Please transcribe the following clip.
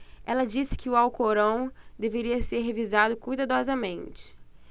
ela disse que o alcorão deveria ser revisado cuidadosamente